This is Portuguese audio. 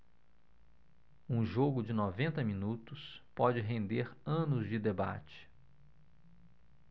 um jogo de noventa minutos pode render anos de debate